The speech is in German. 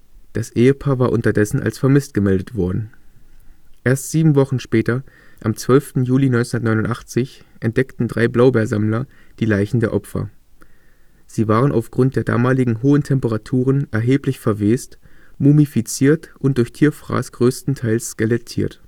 Ehepaar war unterdessen als vermisst gemeldet worden. Erst sieben Wochen später, am 12. Juli 1989, entdeckten drei Blaubeersammler die Leichen der Opfer. Sie waren aufgrund der damaligen hohen Temperaturen erheblich verwest, mumifiziert und durch Tierfraß größtenteils skelettiert